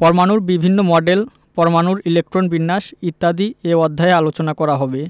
পরমাণুর বিভিন্ন মডেল পরমাণুর ইলেকট্রন বিন্যাস ইত্যাদি এ অধ্যায়ে আলোচনা করা হবে